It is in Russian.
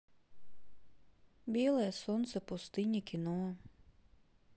белое солнце пустыни кино